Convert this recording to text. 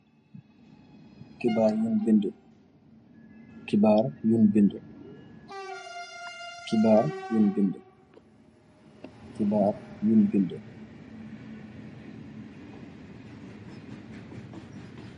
Kebarr yun beede, kebarr yun beede, kebarr yun beede , kebarr yun beede.